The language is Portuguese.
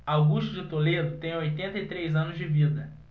augusto de toledo tem oitenta e três anos de vida